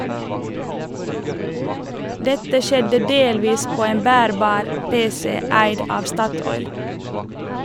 Dette skjedde delvis på en bærbar PC eid av Statoil.